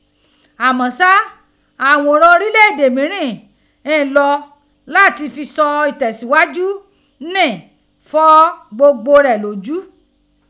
Àmọ́ ṣá, àghòrán orílẹ̀ èdè mìírin kó lò láti fi sọ “ìtẹ̀síghájú" ni, fọ́ gbogbo rẹ̀ lójú.